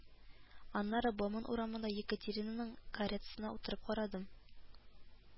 Аннары Бауман урамында Екатерина нең каретасына утырып карадым